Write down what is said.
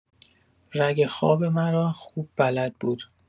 رگ خواب مرا خوب بلد بود